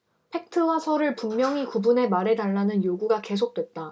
팩트와 설을 분명히 구분해 말해 달라는 요구가 계속됐다